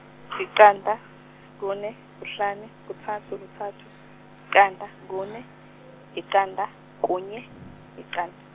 iqanda, kune kuhlanu kuthathu kuthathu, iqanda kune, iqanda, kunye, iqanda.